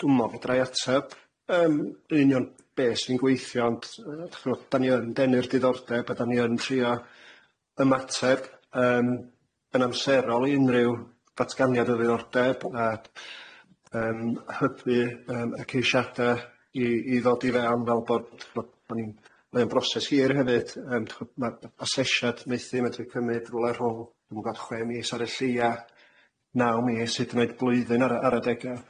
dw'mo' fedrai ateb yym union be sy'n gweithio ond yy 'd'ch'mo' 'dan ni yn denu'r diddordeb a 'dan ni yn trio ymateb yym yn amserol i unrhyw ddatganiad o ddiddordeb a yym hybu yym y ceisiade i i ddod i fewn fel bo' 'd'ch'mo' bo' ni'n mae o'n broses hir hefyd yym 'd'ch'mo' ma' asesiad maethu'n medru cymyd rwle rhwng dwi'm yn gwbod chwe mis ar y lleia, naw mis, hyd yn oed blwyddyn ar ar ar adega.